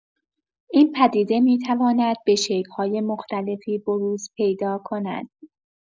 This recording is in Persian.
این پدیده می‌تواند به شکل‌های مختلفی بروز پیدا کند؛